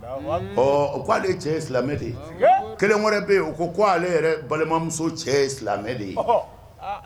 O k' ale cɛ ye silamɛ de ye kelen wɛrɛ bɛ yen o ko k ko ale yɛrɛ balimamuso cɛ ye silamɛ de ye